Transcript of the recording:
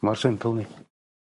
Mor simple a 'ny.